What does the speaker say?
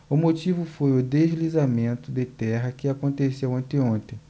o motivo foi o deslizamento de terra que aconteceu anteontem